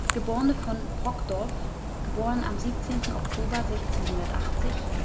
geb. von Brockdorff (* 17. Oktober 1680